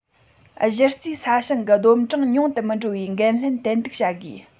གཞི རྩའི ས ཞིང གི བསྡོམས གྲངས ཉུང དུ མི འགྲོ བའི འགན ལེན ཏན ཏིག བྱ དགོས